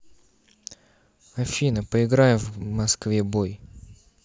афина поиграем в москве бой